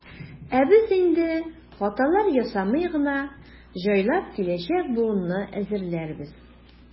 Ә без инде, хаталар ясамый гына, җайлап киләчәк буынны әзерләрбез.